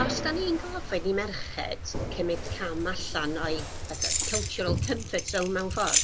os 'dan ni'n gofyn i merched cymryd cam allan o'i fatha cultural comfort zone mewn ffor